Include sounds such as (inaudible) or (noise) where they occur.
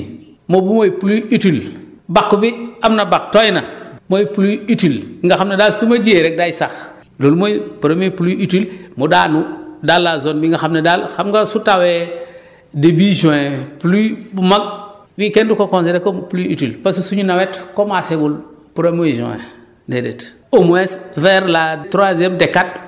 taw bi nga xam ne mun na saxal li nga ji boobu mooy pluie utile bàq bi am na bàq tooy na mooy pluie utile nga xam ne daal fu ma jiyee rek day sax loolu mooy première pluie utile mu daanu dans la zone bi nga xam ne daal xam nga su tawee (breath) début juin pluie bu mag bii kenn du ko considérer comme pluie utile parce que suñu nawet commencé gul premier juin déedéet